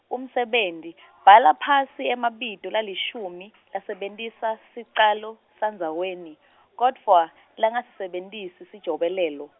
umsebenti , bhala phasi emabito lalishumi, lasebentisa, sicalo, sandzaweni , kodvwa, langasisebentisi sijobelelo.